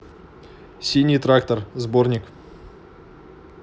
синий трактор сборник